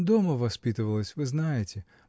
— Дома воспитывалась, вы знаете.